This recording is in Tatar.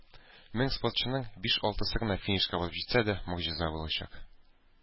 Мең спортчының биш-алтысы гына финишка барып җитсә дә, могҗиза булачак.